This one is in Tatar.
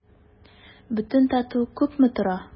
Бөтен тату күпме тора?